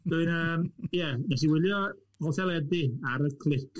Dwi'n yym, ie, wnes i wylio holl eledu ar y clics.